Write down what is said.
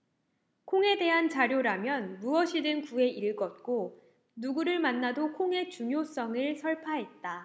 콩에 대한 자료라면 무엇이든 구해 읽었고 누구를 만나도 콩의 중요성을 설파했다